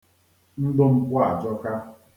Ndụ mpụ ajọka.